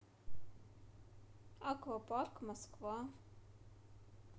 аквапарк москва